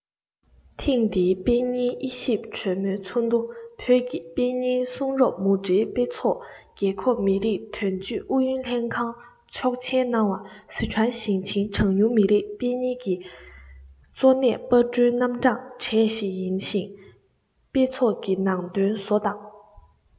ཐེངས འདིའི དཔེ རྙིང དབྱེ ཞིབ གྲོས མོལ ཚོགས འདུ བོད ཀྱི དཔེ རྙིང གསུང རབ མུ འབྲེལ དཔེ ཚོགས རྒྱལ ཁབ མི རིགས དོན གཅོད ཨུ ཡོན ལྷན ཁང ཆོག མཆན གནང བ སི ཁྲོན ཞིང ཆེན གྲངས ཉུང མི རིགས དཔེ རྙིང གི གཙོ གནད པར སྐྲུན རྣམ གྲངས གྲས ཤིག ཡིན ཞིང དཔེ ཚོགས ཀྱི ནང དོན བཟོ དང